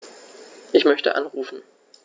Ich möchte anrufen.